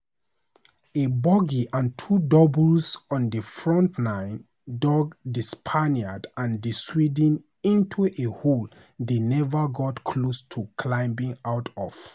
A bogey and two doubles on the front nine dug the Spaniard and the Swede into a hole they never got close to climbing out of.